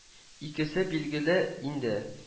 Икесе билгеле инде –